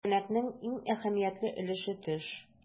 Күзәнәкнең иң әһәмиятле өлеше - төш.